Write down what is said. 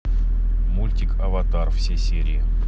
мультик аватар все серии